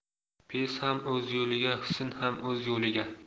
pes ham o'z yo'liga husn ham o'z yo'liga